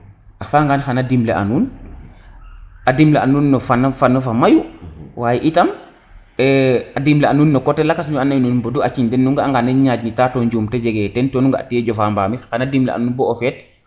a fiya ngan xana dimle a nuun a dimle a nuun no fand fa mayu waye itam a dimle a nuun no coté lakas ne and naye nuun mbodu a ciiñ nu nga a nga neen nu ñaƴ nita to njumte kjege ten te nu nga kene te jofa mbamir xana dimle a nuun bo o feet